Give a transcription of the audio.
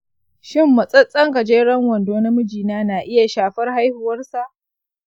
shin matsattsen gajeren wando ta mijina na iya shafar haihuwarsa?